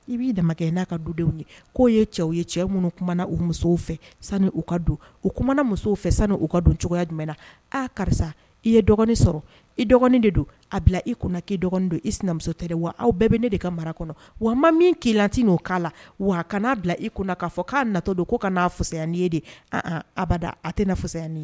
I b'i da kɛ n'a ka dudenw ye k'o ye cɛw ye cɛ minnukumana u musow fɛ sanu uu ka don uumana musow fɛ sanu uu ka don cogoyaya jumɛn na aaa karisa i ye dɔgɔn sɔrɔ i dɔgɔnin de don a bila i kɔnɔ k'i dɔgɔnin don i sinamuso tɛ wa aw bɛɛ bɛ ne de ka mara kɔnɔ wa ma min k'i lati o k'a la wa kana'a bila i kɔnɔ k'a fɔ k'a natɔ don ko ka n'a fosaya ni ye de abada a tɛ fisaya ye